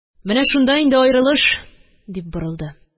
Менә шунда инде аерылыш, – дип борылды.